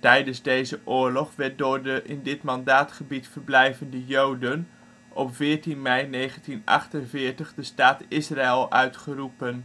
Tijdens deze oorlog werd door de in dit mandaatgebied verblijvende Joden op 14 mei 1948 de staat Israël uitgeroepen